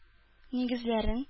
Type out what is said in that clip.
Нигезләрен